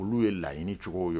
Olu ye laɲini cogo ye